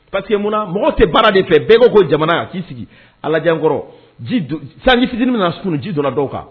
Parce que munna ? mɔgɔ tɛ baara de fɛ. Bɛɛ ko jamana. I sigi a lajɛ n kɔrɔ sanji fitini min nana kunu, ji donna dɔw kan.